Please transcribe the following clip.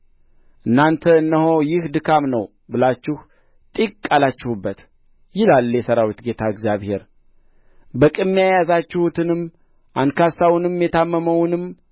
እናንተ እነሆ ይህ ድካም ነው ብላችሁ ጢቅ አላችሁበት ይላል የሠራዊት ጌታ እግዚአብሔር በቅሚያ የያዛችሁትንም አንካሳውንም የታመመውንም